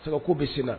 Sagako bɛ senna